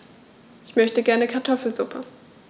Ich möchte gerne Kartoffelsuppe.